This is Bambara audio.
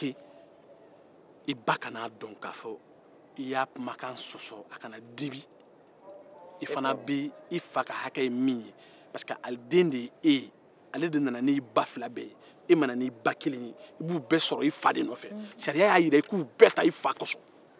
i b'i ka hkɛ dafa i baw ni ɲɔgɔn cɛ sabu fa de nana n'u fila bɛɛ